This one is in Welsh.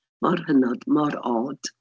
Mor hynod, mor od.